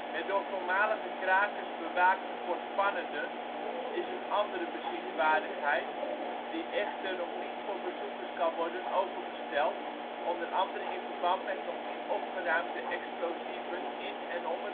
Het door voormalige krakers bewaakte Fort Pannerden is een andere bezienswaardigheid, die echter (nog) niet voor bezoekers kan worden opengesteld, o.a. in verband met nog niet opgeruimde explosieven in en om